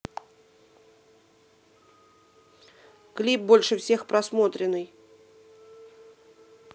клип больше всех просмотренный